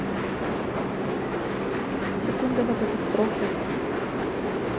секунда до катастрофы